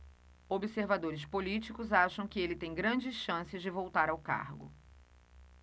observadores políticos acham que ele tem grandes chances de voltar ao cargo